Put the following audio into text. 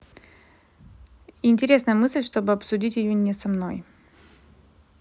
интересная мысль чтобы обсудить ее не со мной